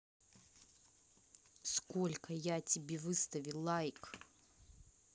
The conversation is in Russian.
сколько я тебе выставил лайк